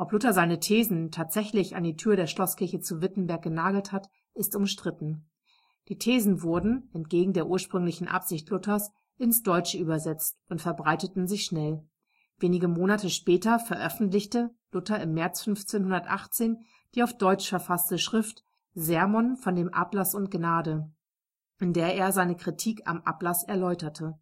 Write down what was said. Luther seine Thesen tatsächlich an die Tür der Schlosskirche zu Wittenberg genagelt hat, ist umstritten. Die Thesen wurden – entgegen der ursprünglichen Absicht Luthers – ins Deutsche übersetzt und verbreiteten sich schnell. Wenige Monate später veröffentlichte Luther im März 1518 die auf Deutsch verfasste Schrift Sermon von dem Ablass und Gnade, in der er seine Kritik am Ablass erläuterte